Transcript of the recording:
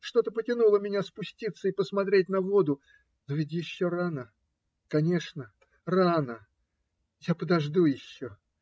Что-то потянуло меня спуститься и посмотреть на воду. Но ведь еще рано? Конечно, рано. Я подожду еще.